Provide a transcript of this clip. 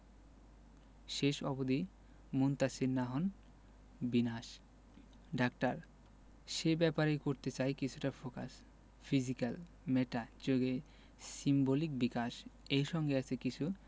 শেষ অবধি মুনতাসীর না হন বিনাশ ডাক্তার সে ব্যাপারেই করতে চাই কিছুটা ফোকাস ফিজিক্যাল মেটা যোগে সিম্বলিক বিকাশ এর সঙ্গে আছে কিছু